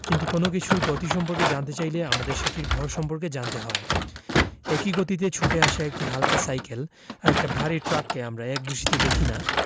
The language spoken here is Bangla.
কিন্তু কোনো কিছুর গতি সম্পর্কে জানতে চাইলে আমাদের সেটির ভর সম্পর্কে জানতে হয় একই গতিতে ছুটে আসা একটা হালকা সাইকেল আর একটা ভারী ট্রাককে আমরা একদৃষ্টিতে দেখি না